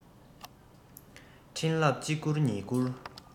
འཕྲིན ལབ གཅིག བསྐུར གཉིས བསྐུར